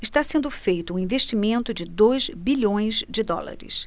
está sendo feito um investimento de dois bilhões de dólares